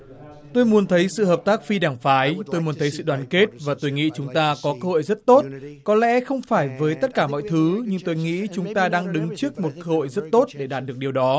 tôi muốn thấy sự hợp tác phi đảng phái tôi muốn thấy sự đoàn kết và tôi nghĩ chúng ta có cơ hội rất tốt có lẽ không phải với tất cả mọi thứ nhưng tôi nghĩ chúng ta đang đứng trước một hội rất tốt để đạt được điều đó